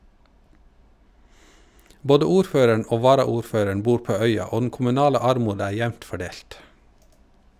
Både ordføreren og varaordføreren bor på øya, og den kommunale armod er jevnt fordelt.